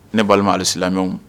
Ne' hali silamɛɲɔgɔn